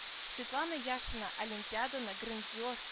Светлана Яшина олимпиаданы грандиоз